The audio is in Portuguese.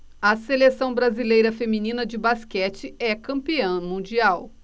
a seleção brasileira feminina de basquete é campeã mundial